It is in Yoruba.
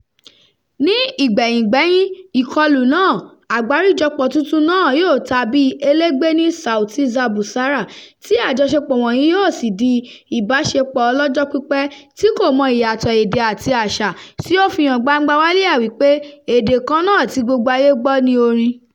Ní ìgbẹ̀yìngbẹ́yín "ìkọlù" náà, àgbárijọpọ̀ tuntun náà yóò ta bí elégbé ní Sauti za Busara, tí àjọṣepọ̀ wọ̀nyí yóò sì di ìbáṣepọ̀ ọlọ́jọ́ pípẹ́ tí kò mọ ìyàtọ̀ èdè àti àṣà, tí ó fi hàn gbangba wálíà wípé èdè kan náà tí gbogbo ayé gbọ́ ni orin.